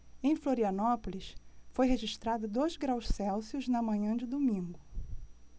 em florianópolis foi registrado dois graus celsius na manhã de domingo